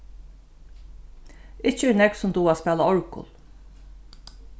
ikki eru nógv sum duga at spæla orgul